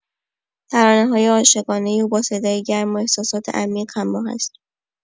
ترانه‌های عاشقانه او با صدای گرم و احساسات عمیق همراه است.